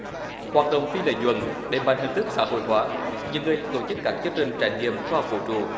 hoạt động phi lợi nhuận đem bằng hình thức xã hội hóa những người tổ chức các chương trình trải nghiệm khoa học vũ trụ